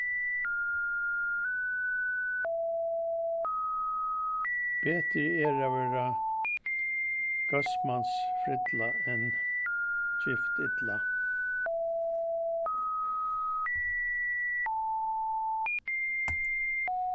betri er at vera góðs mans frilla enn gift illa